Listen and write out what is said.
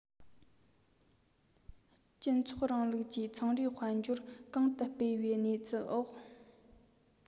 སྤྱི ཚོགས རིང ལུགས ཀྱི ཚོང རའི དཔལ འབྱོར གོང དུ སྤེལ བའི གནས ཚུལ འོག